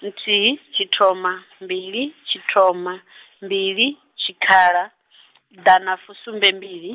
nthihi, tshithoma, mbili, tshithoma, mbili, tshikhala, ḓanafusumbembili.